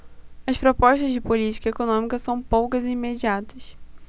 as propostas de política econômica são poucas e imediatas